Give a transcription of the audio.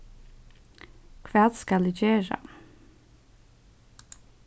hvat skal eg gera